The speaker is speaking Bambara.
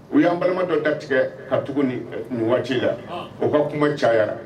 U y'an balimadɔ da tigɛ ka tugu ni waati la o ka kuma cayayara